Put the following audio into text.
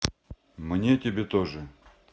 мне тебя тоже